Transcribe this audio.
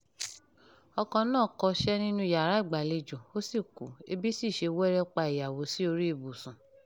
Ọkọ náà kọsẹ̀ nínú yàrá ìgbàlejò, ó sì kú, ebí sì ṣe wẹ́rẹ́ pa ìyàwó sí orí ibùsùn.